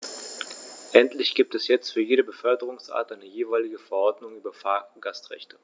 Endlich gibt es jetzt für jede Beförderungsart eine jeweilige Verordnung über Fahrgastrechte.